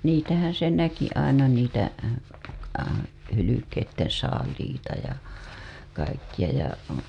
niitähän se näki aina niitä hylkeiden saaliita ja kaikkia ja